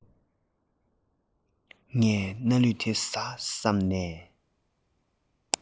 ངས སྣ ལུད དེ བཟའ བསམས ནས